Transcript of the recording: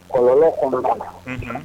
Kɔlɔnlɔ kɔnɔna na